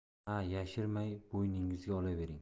ha yashirmay bo'yningizga olavering